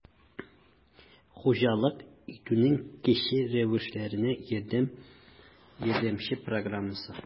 «хуҗалык итүнең кече рәвешләренә ярдәм» ярдәмче программасы